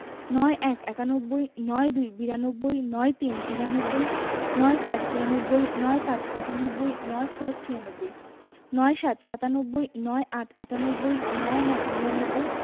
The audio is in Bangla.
৯১ - একানব্বই ৯২ - বিরানব্বই ৯৩ - তিরানব্বই ৯৪ – চুরানব্বই ৯৫ - পচানব্বই ৯৬ - ছিয়ানব্বই ৯৭ – সাতানব্বই ৯৮ - আটানব্বই ৯৯ - নিরানব্বই